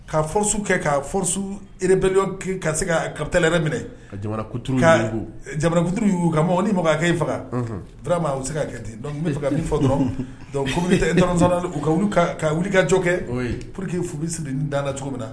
Ka fɔsu kɛ ka fɔsu rep ka se ka karatataɛrɛ minɛ jamanatu y' u ka mɔgɔ ni mɔgɔe fagaura ma u bɛ se ka kɛ ten bɛ ka fɔ dɔrɔnc pte ka ka wulikajɔ kɛ pur quekifubilisi la cogo min na